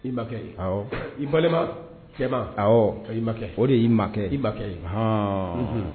I bakɛ i balima cɛbaba ka i makɛ o de y'i makɛ i bakɛ hɔn